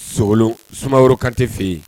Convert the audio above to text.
Sogolon Sumaworo Kante fe ye